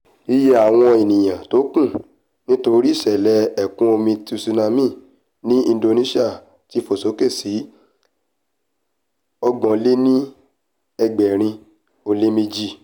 Iye àwọn eniyan tókú nítorí ìṣẹ̀lẹ̀ ẹ̀kún omi tsunsmi ni Indonesia tí fò sókè sí e832.